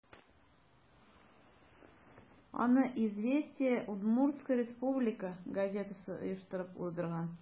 Аны «Известия Удмуртсткой Республики» газетасы оештырып уздырган.